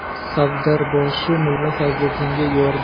savdarboshi mulla fazliddinga